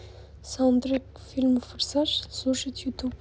саундтрек к фильму форсаж слушать youtube